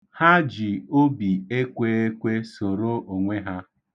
Ha ji obi ekweekwe soro onwe ha.